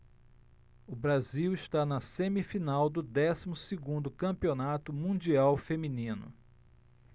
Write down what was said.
o brasil está na semifinal do décimo segundo campeonato mundial feminino